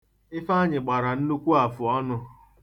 Ifeanyị gbara nnukwu afụọnụ.